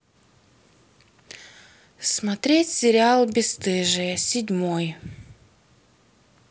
смотреть сериал бесстыжие седьмой